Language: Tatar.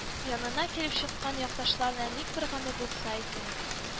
Янына килеп чыккан якташында ник бер гаме булса икән